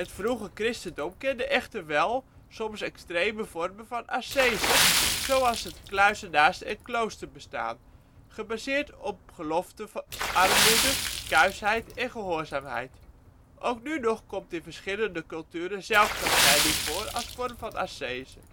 vroege) christendom kende echter wel (soms extreme) vormen van ascese zoals het kluizenaars - en kloosterbestaan, gebaseerd op geloften van armoede, kuisheid en gehoorzaamheid. Ook nu nog komt in verschillende culturen zelfkastijding voor als vorm van ascese